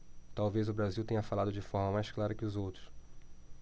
talvez o brasil tenha falado de forma mais clara que os outros